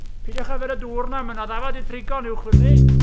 Peidiwch yfed y dŵr yna, mae yna ddafad 'di trigo'n uwch fyny.